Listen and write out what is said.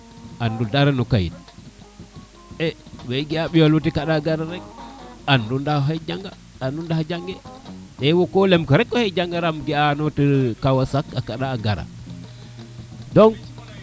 andiro dara no kayit e woxey ga a ɓiyonge wo te reta gara rek andiro ndaxa xoy janga nandiro ndax jange wo ko lem ko rek ga ano te